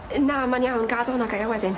Na, mae'n iawn, gad wnna gai o wedyn.